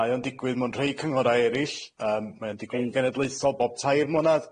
Mae o'n digwydd mewn rhei cynghora eryll yym mae o'n digwydd yn genedlaethol bob tair mlynadd.